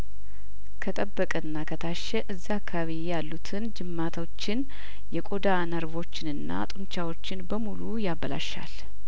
ከጠበቀና ከታሸ እዚያ አካባቢ ያሉትን ጅማቶችን የቆዳ ነርቮችንና ጡንቻዎችን በሙሉ ያበላሻል